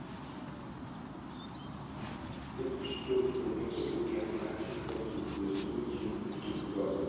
men uch to'rt kungacha bu gaplarni eslab kulib yurdimu keyin unutib yubordim